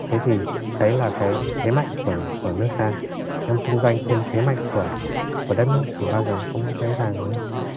thế thì đấy là cái thế mạnh của của nước ta trong kinh doanh trên thế mạnh của của đất nước thì bao giờ nó cũng dễ dàng hơn